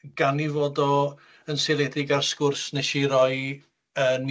gan 'i fod o yn seiliedig ar sgwrs nes i roi yn